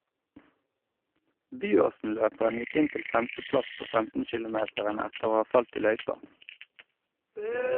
Byåsen-løperen gikk inn til femteplass på 15-kilometeren etter å ha falt i løypa.